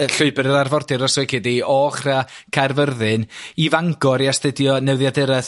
Y llwybr yr arfordir os lici di o ochra' Caerfyrddin i Fangor i astudio Newyddiadureth